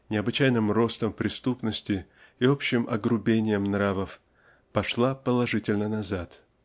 необычайным ростом преступности и общим огрубением нравов пошла положительно назад.